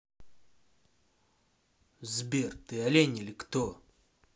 сбер ты олень или кто